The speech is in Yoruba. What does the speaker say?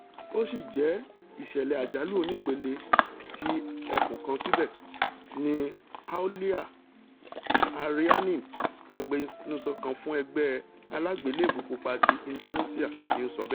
Ó sí jẹ́ ìṣẹ̀lẹ̀ àjálù onípele tí ẹkùn kan síbẹ̀,'' ni Aulia Arriani, agbẹnusọ kan fún Ẹgbẹ́ Aláàgbéléèbú Pupa ti Indonesia ni o so bẹẹ̣.